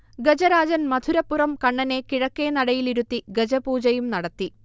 ഗജരാജൻ മധുരപ്പുറം കണ്ണനെ കിഴക്കേ നടയിലിരുത്തി ഗജപൂജയും നടത്തി